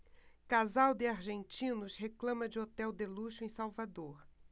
casal de argentinos reclama de hotel de luxo em salvador